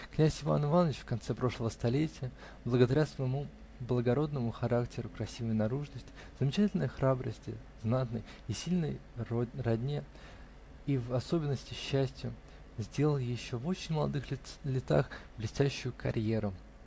Князь Иван Иваныч в конце прошлого столетия, благодаря своему благородному характеру, красивой наружности, замечательной храбрости, знатной и сильной родне и в особенности счастию, сделал еще в очень молодых летах блестящую карьеру.